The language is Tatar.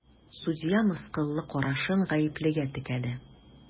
Судья мыскыллы карашын гаеплегә текәде.